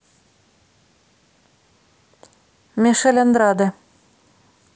мишель андраде